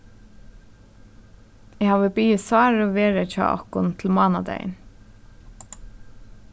eg havi biðið sáru vera hjá okkum til mánadagin